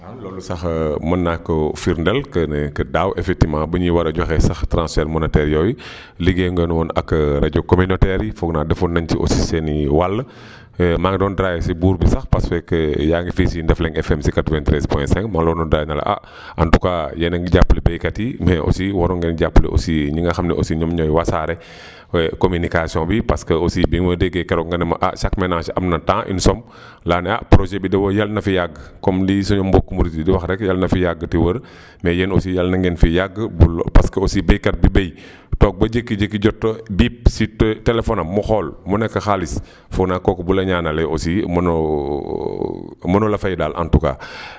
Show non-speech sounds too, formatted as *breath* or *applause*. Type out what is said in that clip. waaw loolu sax *hesitation* mën naa koo firndeel que ne daaw effectivement bi ñuy war a joxe sax transfert monétaire yooyu *breath* liggéey ngeen woon ak ak *hesitation* rajo communautaires yi foog naa defoon nañu ci aussi seen i wàll *breath* maa ngi doon daraaye si buur bi sax parce que yaa ngi fii ci Ndefleng FM ci 93 point 5 ma la doon daraaye ne la ah *breath* en tout cas yéen a ngi jàppale baykat yi mais aussi waroon ngeen jàppale aussi ñi nga xam ne aussi ñooy wasaare *breath* *hesitation* communication bi parce que aussi bi ma déggee keroog nga ne ma ah chaque ménage am na tant une somme *inhales* la ne ah projet bi de Yal na fi yàgg comme li sa mbokk murid yi di wax rekk Yal na fi yàgg te wér *breath* mais yéen aussi Yal na ngeen fi yàgg bul parce que aussi baykat bi bay *breath* toog ba jékki-jékki jot bippe ci téléphone am mu xool mu nekk xaalis *inhales* foog naa kooku bu la ñaanalee aussi mënoo *hesitation* mënula fay daal en tout cas *breath*